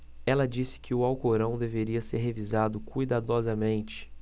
ela disse que o alcorão deveria ser revisado cuidadosamente